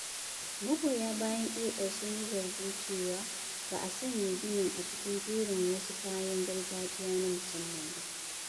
Magoya bayan AL sun yi zargin cewa ba a sanya ginin a cikin jerin wasu kayan gargajiya na musamman ba.